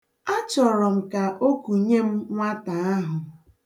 Achọrọ m ka o kunye m nwata ahụ.